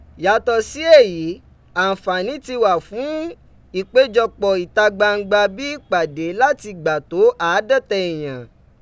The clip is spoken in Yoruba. Yatọ si eyi, anfaani ti wa fun ipejọpọ ita gbangba bi ipade, lati gba to aadọta eyan.